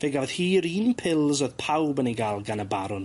Fe gafodd hi'r un pils o'dd pawb yn eu ga'l gan y barwn.